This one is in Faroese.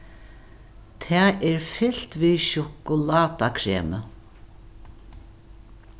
tað er fylt við sjokulátakremi